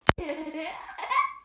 главный пиздабол россии